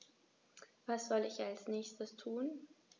Was soll ich als Nächstes tun?